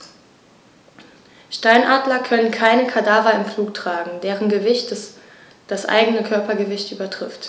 Steinadler können keine Kadaver im Flug tragen, deren Gewicht das eigene Körpergewicht übertrifft.